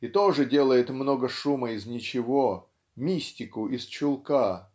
и тоже делает много шума из ничего мистику из чулка